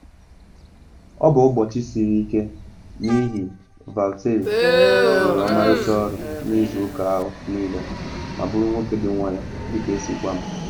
Ọ bụ ụbọchị siri ike n’ihi Valtteri rụrụ ọmarịcha ọrụ n’izu ụka ahụ niile ma bụrụ nwoke dị nwayọ dị ka esi gwa m.